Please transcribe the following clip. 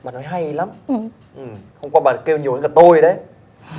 bà nói hay lắm hôm qua bà kêu nhiều hơn cả tôi đấy